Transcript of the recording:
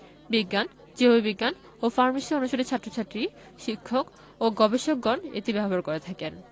বিজ্ঞান জীববিজ্ঞান ও ফার্মেসি অনুষদের ছাত্রছাত্রী শিক্ষক ও গবেষকগণ এটি ব্যবহার করে থাকেন